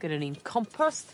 gyda ni'n compost